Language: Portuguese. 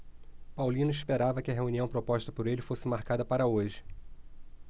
paulino esperava que a reunião proposta por ele fosse marcada para hoje